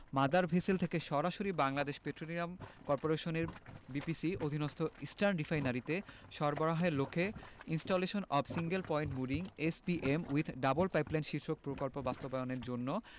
mother vessel থেকে সরাসরি Bangladesh petroleum করপোরেশনের বিপিসি অধীনস্থ ইস্টার্ন রিফাইনারিতে সরবরাহের লক্ষ্যে installation of single point mooring SPM with double pipeline শীর্ষক প্রকল্প বাস্তবায়নের জন্য